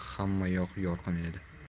xamma yoq yorqin edi